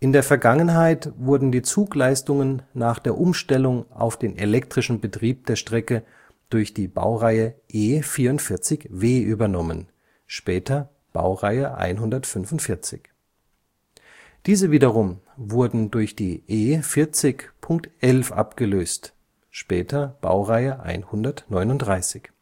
der Vergangenheit wurden die Zugleistungen nach der Umstellung auf den elektrischen Betrieb der Strecke durch die Baureihe E 44W (später BR 145), übernommen. Diese wiederum wurden durch die E 40.11 (später Baureihe 139